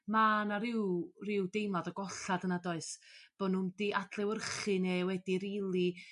ma' 'na ryw ryw deimlad o gollad yna does? Bo' nhw'n 'di adlewyrchu neu wedi rili